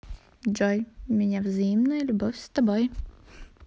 джой меня взаимная любовь с тобой